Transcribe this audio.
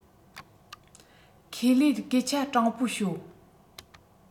ཁས ལེ སྐད ཆ དྲང པོ ཤོད